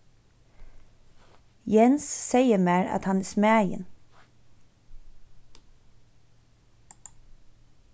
jens segði mær at hann er smæðin